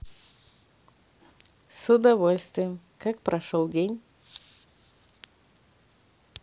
с удовольствием как прошел день